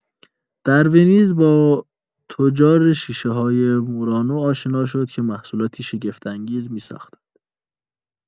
در ونیز، با تجار شیشه‌های مورانو آشنا شد که محصولاتی شگفت‌انگیز می‌ساختند.